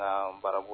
Baarabɔ